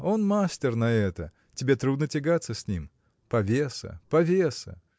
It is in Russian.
он мастер на это: тебе трудно тягаться с ним. Повеса! повеса!